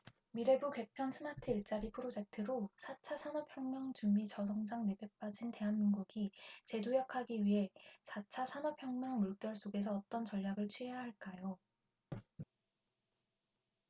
미래부 개편 스마트일자리 프로젝트로 사 차 산업혁명 준비 저성장 늪에 빠진 대한민국이 재도약하기 위해 사 차 산업혁명 물결 속에서 어떤 전략을 취해야 할까요